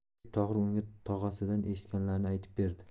deb tohir unga tog'asidan eshitganlarini aytib berdi